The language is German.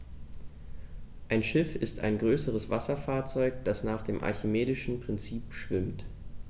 Ein Schiff ist ein größeres Wasserfahrzeug, das nach dem archimedischen Prinzip schwimmt.